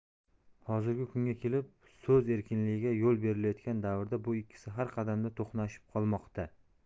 hozirgi kunga kelib so'z erkinligiga yo'l berilayotgan davrda bu ikkisi har qadamda to'qnashib qolmoqda